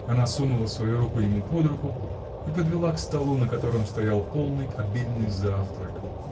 Она сунула свою руку ему под руку и подвела к столу, на котором стоял полный, обильный завтрак.